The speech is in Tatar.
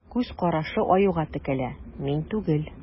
Күз карашы Аюга текәлә: мин түгел.